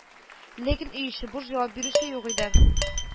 Ләкин өй эче буш, җавап бирүче юк иде